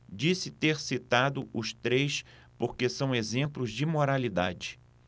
disse ter citado os três porque são exemplos de moralidade